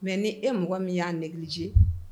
Mɛ ni e mɔgɔ min y'a neliji